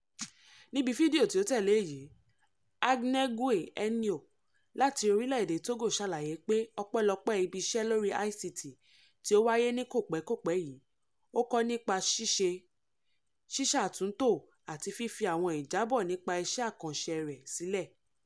Níbi fídíò tí ó tẹ́lẹ̀ èyí, Agnegue Enyo láti orílẹ̀ èdè Togo ṣàlàyé pé ọpẹ́lọpẹ́ ibi iṣẹ́ lórí ICT tí ó wáyé ní kòpẹ́kòpẹ́ yìí, ó kọ́ nípa ṣíṣe, sísàtúntò àti fífi àwọn ìjábọ̀ nípa iṣẹ́ àkànṣe rẹ̀ sílẹ̀.